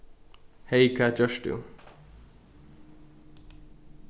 hey hvat gert tú